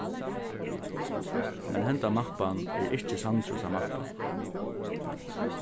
men hendan mappan er ikki sandrusa mappa